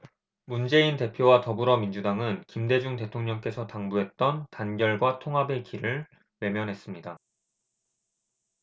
문재인 대표와 더불어민주당은 김대중 대통령께서 당부했던 단결과 통합의 길을 외면했습니다